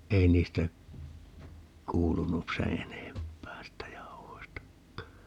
ei niistä kuulunut sen enempää siitä jauhoistakaan